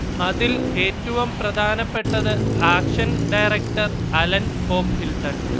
അതിൽ ഏറ്റവും പ്രധാനപ്പെട്ടത് ആക്ഷൻ ഡയറക്ടർ അലൻ പോപ്ഹിൽട്ടൻ